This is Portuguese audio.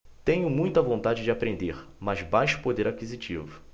tenho muita vontade de aprender mas baixo poder aquisitivo